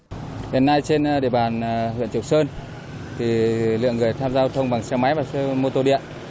hiện nay trên địa bàn là huyện triệu sơn thì lượng người tham giao thông bằng xe máy và xe mô tô điện